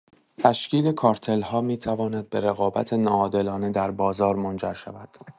تشکیل کارتل‌ها می‌تواند به رقابت ناعادلانه در بازار منجر شود.